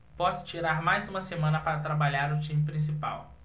posso tirar mais uma semana para trabalhar o time principal